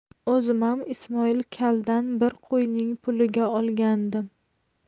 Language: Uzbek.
o'zimam ismoil kaldan bir qo'yning puliga olgandim